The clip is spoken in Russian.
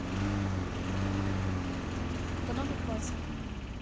гномик вася